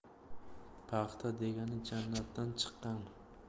paxta degani jannatdan chiqqan